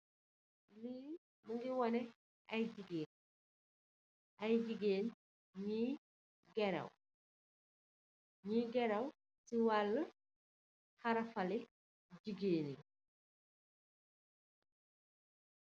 Lee mungui woneh aye jigeen, Aye jigeen nyii geraw, nyii geraw si walah harafaly jigeenyii.